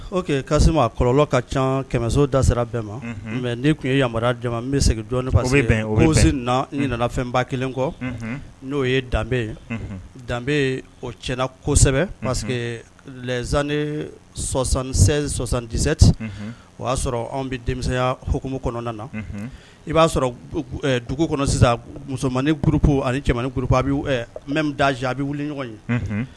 O kɔrɔlɔ ka ca kɛmɛso da sera bɛɛ ma mɛ tun ye ya bɛ segin jɔn nana fɛnba kelen kɔ n'o ye danbebe ye danbe o tiɲɛna kosɛbɛ zsanni sɔsan sɔsantisɛti o y'a sɔrɔ anw bɛ denmisɛnya hkumu kɔnɔna na i'a sɔrɔ dugu kɔnɔ sisan musoman gp ani cɛ mɛ da a bɛ wuli ɲɔgɔn ye